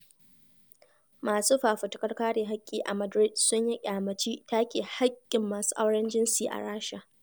Masu fafutukar kare haƙƙi a Madrid sun yi ƙyamaci take haƙƙin masu auren jinsi a Rasha